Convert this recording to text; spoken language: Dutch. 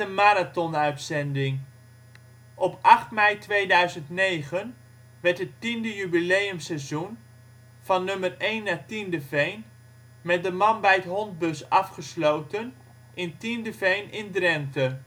marathonuitzending. Op 8 mei 2009 werd het tiende jubileumseizoen (' van Nummer Eén naar Tiendeveen ') met de Man-bijt-hondbus afgesloten in Tiendeveen in Drenthe